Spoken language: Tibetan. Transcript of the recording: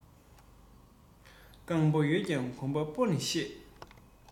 རྐང པ ཡོད ཀྱང གོམ པ སྤོ ནི ཤེས